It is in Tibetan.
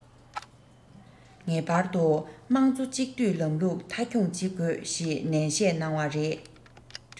ངེས པར དུ དམངས གཙོ གཅིག སྡུད ལམ ལུགས མཐའ འཁྱོངས བྱེད དགོས ཞེས ནན བཤད གནང བ རེད